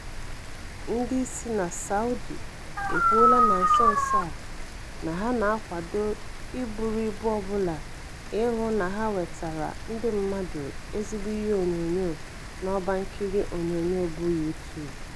Ndị isi na Saudi e kwuola na nso nso a na ha na-akwado iburu ibu ọbụla ị hụ na ha wetara ndị mmadụ ezigbo ihe onyonyo n'ọbankiri onyonyo bụ YouTube.